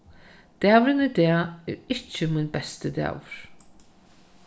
dagurin í dag er ikki mín besti dagur